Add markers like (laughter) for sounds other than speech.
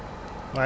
(hesitation) (hesitation)